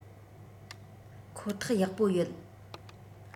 ཁོ ཐག ཡག པོ ཡོད